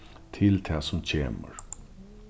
til tað sum kemur